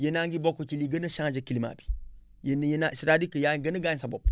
yéen a ngi bokk si lu gën a changé climat bi yéen yéen a c' est à dire que yaa ngi gën a gaañ sa bopp